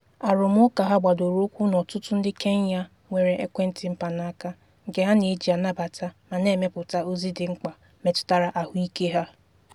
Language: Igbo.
Arụmụụka ha gbadoro ụkwụ na ọtụtụ ndị Kenya nwere ekwentị mpanaaka, nke ha na-eji anabata ma na-emepụta ozi dị mkpa metụtara ahụike ha.